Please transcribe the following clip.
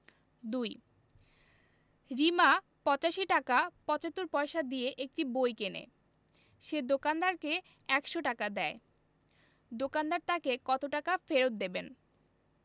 ২ রিমা ৮৫ টাকা ৭৫ পয়সা দিয়ে একটি বই কেনে সে দোকানদারকে ১০০ টাকা দেয় দোকানদার কত টাকা ফেরত দেবেন